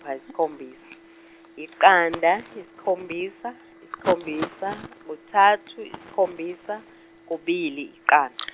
-pha yisikhombisa yiqanda yisikhombisa isikhombisa kuthathu isikhombisa kubili iqanda.